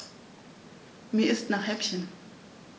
Mir ist nach Häppchen.